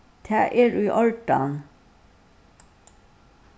tað er í ordan